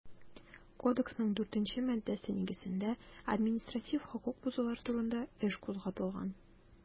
Кодексның 4 нче маддәсе нигезендә административ хокук бозулар турында эш кузгатылган.